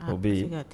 O bi